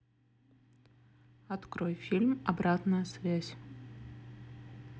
открой фильм обратная связь